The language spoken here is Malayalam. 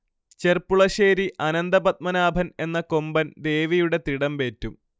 ചെർപ്പുളശ്ശേരി അനന്തപദ്മനാഭൻ എന്ന കൊമ്പൻ ദേവിയുടെ തിടമ്പേറ്റും